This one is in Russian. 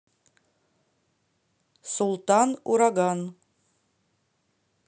султан ураган